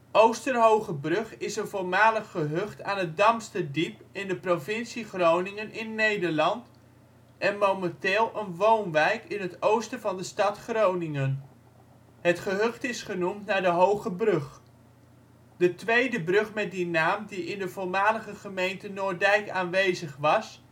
Oosterhoogebrug is een voormalig gehucht aan het Damsterdiep in de provincie Groningen in Nederland, en momenteel een woonwijk in het oosten van de stad Groningen. Het gehucht is genoemd naar de Hoogebrug. De tweede brug met die naam die in de voormalige gemeente Noorddijk aanwezig was